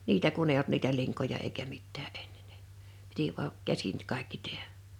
niitä kun ei ollut niitä linkoja eikä mitään ennen ne piti vain käsin kaikki tehdä